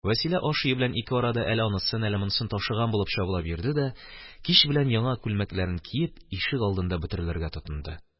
Вәсилә аш өе белән ике арада әле анысын, әле монысын ташыган булып чабулап йөрде дә кич белән, яңа күлмәкләрен киеп, ишегалдында бөтерелергә тотынды